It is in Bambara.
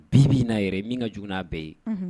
Bi b'i'a yɛrɛ ye min ka j' a bɛɛ ye